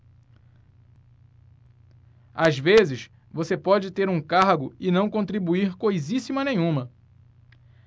às vezes você pode ter um cargo e não contribuir coisíssima nenhuma